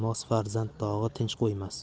moz farzand dog'i tinch qo'ymas